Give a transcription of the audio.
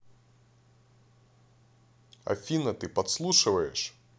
афина ты подслушиваешь